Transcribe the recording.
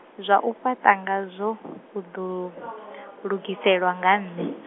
zwau fhaṱa nga zwo, u ḓo, lugiselwa nga nṋe.